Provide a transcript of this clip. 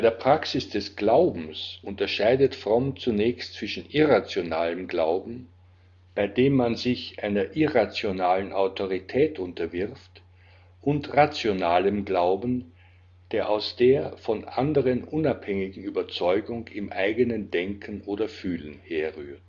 Praxis des Glaubens unterscheidet Fromm zunächst zwischen irrationalem Glauben, bei dem man sich einer irrationalen Autorität unterwirft, und rationalem Glauben, der aus der von anderen unabhängigen Überzeugung im eigenen Denken oder Fühlen herrührt